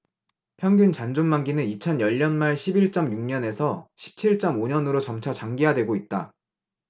평균 잔존만기는 이천 열 년말 십 일 쩜 육 년에서 십 칠 쩜 오 년으로 점차 장기화되고 있다